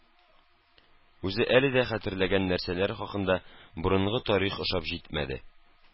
Үзе әле дә хәтерләгән нәрсәләр хакында борынгы тарих ошап җитмәде